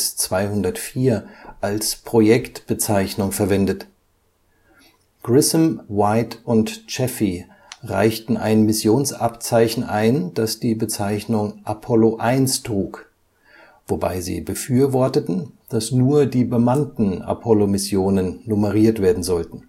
AS-204) als Projektbezeichnung verwendet. Grissom, White und Chaffee reichten ein Missionsabzeichen ein, das die Bezeichnung „ Apollo 1 “trug, wobei sie befürworteten, dass nur die bemannten Apollo-Missionen nummeriert werden sollten